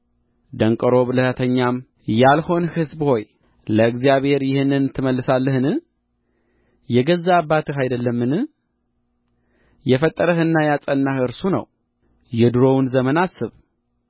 ደንቆሮ ብልሃተኛም ያልሆንህ ሕዝብ ሆይ ለእግዚአብሔር ይህንን ትመልሳለህ የገዛህ አባትህ አይደለምን የፈጠረህና ያጸናህ እርሱ ነው የዱሮውን ዘመን አስብ